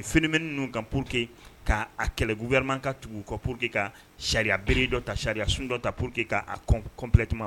Phénomène ninnu kan pour que ka a kɛlɛ, gouvernement ka tugu o kɔ pour que ka sariya bere dɔ ta, sariya sun dɔ ta, pour que k'a kɔn complètement